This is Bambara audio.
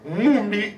Mun bi